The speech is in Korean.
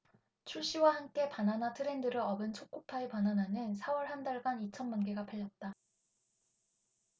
출시와 함께 바나나 트렌드를 업은 초코파이 바나나는 사 월 한 달간 이천 만개가 팔렸다